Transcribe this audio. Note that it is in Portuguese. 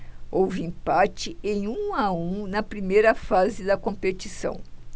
houve empate em um a um na primeira fase da competição